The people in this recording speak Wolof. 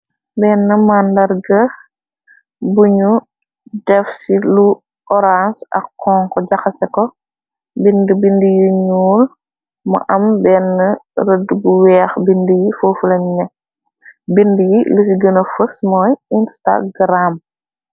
Bennë màndarga bu ñu def ci lu orans ak xoñxu, jaxase ko, bind yi ñuul. Mu am bennë rëddë bu weex, bindë yi foof lañ bindë yi li si gëna fës, mooy"instagram."